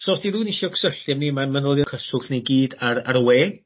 So os 'di rywun isio cysylltu â ni ma'n manylion cyswll ni gyd ar ar y we.